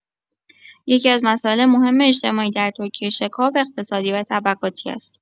یکی‌از مسائل مهم اجتماعی در ترکیه شکاف اقتصادی و طبقاتی است.